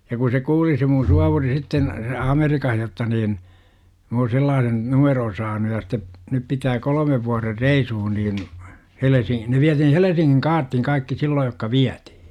ja kun se kuuli se minun suovuri sitten siellä Amerikassa jotta niin minä olen sellaisen numeron saanut ja sitten nyt pitää kolmen vuoden reissuun niin - ne vietiin Helsingin kaartin kaikki silloin jotka vietiin